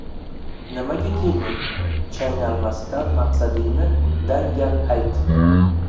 nimaga kelding chaynalmasdan maqsadingni dangal ayt